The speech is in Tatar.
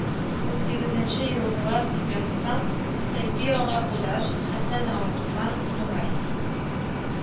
Унсигезенче елгылар», – дип язсам, сәйфи ага кудаш, хәсән ага туфан, гомер